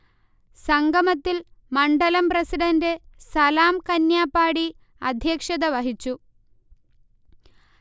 സംഗമത്തിൽ മണ്ഢലം പ്രസിഡന്റ് സലാം കന്ന്യപ്പാടി അദ്ധ്യക്ഷത വഹിച്ചു